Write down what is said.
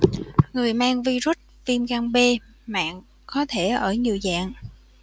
người mang virut viêm gan b mạn có thể ở nhiều dạng